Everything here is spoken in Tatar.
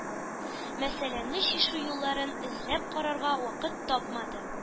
Мәсьәләне чишү юлларын эзләп карарга вакыт тапмады.